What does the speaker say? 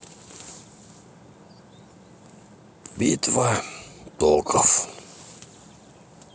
битва токов